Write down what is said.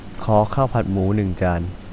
ขอข้าวผัดหมูหนึ่งจาน